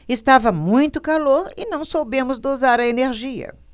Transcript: estava muito calor e não soubemos dosar a energia